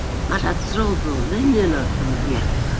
Mae'r adroddwr yn un o'r cymeriadau.